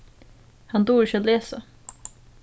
hann dugir ikki at lesa